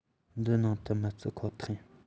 དི ནང དུ མི བརྩི ཁོ ཐག ཡིན